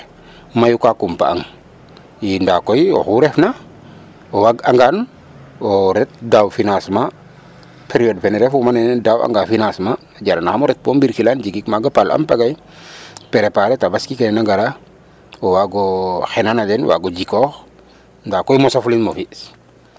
Ndaa koy oxu refna o waag'angaan o ret daaw financement période fene refuma mene um daawanga financement a jaranaxam um ret bo mbirkilaan jikik maaga paal am pagay prépare e tabaski ke na ngara waag o xendan a den waag o jikoox ndaa koy mosafulin mo fi'.